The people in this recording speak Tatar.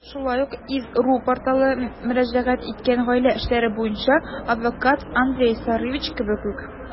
Шулай ук iz.ru порталы мөрәҗәгать иткән гаилә эшләре буенча адвокат Андрей Сарычев кебек үк.